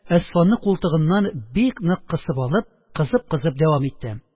Әсфанны култыгыннан бик нык кысып алып, кызып-кызып дәвам итте: